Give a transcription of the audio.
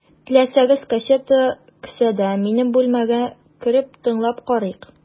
Теләсәгез, кассета кесәдә, минем бүлмәгә кереп, тыңлап карыйк.